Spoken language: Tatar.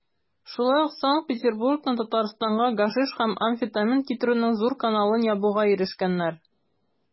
Шулай ук Санкт-Петербургтан Татарстанга гашиш һәм амфетамин китерүнең зур каналын ябуга ирешкәннәр.